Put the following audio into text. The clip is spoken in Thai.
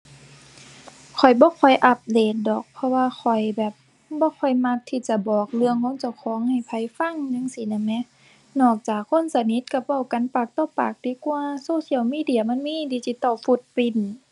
ข้อยบ่ค่อยอัปเดตดอก เพราะว่าข้อยแบบ บ่ค่อยมักที่จะบอกเรื่องของเจ้าของให้ไผฟังจั่งซี้น่ะแหม นอกจากคนสนิทก็เว้ากันปากต่อปากดีกว่า social media มันมี digital footprint